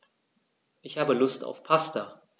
Ich habe Lust auf Pasta.